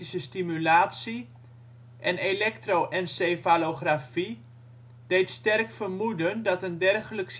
stimulatie en elektro-encefalografie deed sterk vermoeden dat een dergelijk systeem